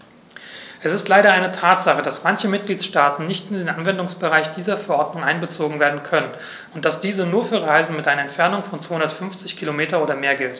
Es ist leider eine Tatsache, dass manche Mitgliedstaaten nicht in den Anwendungsbereich dieser Verordnung einbezogen werden können und dass diese nur für Reisen mit einer Entfernung von 250 km oder mehr gilt.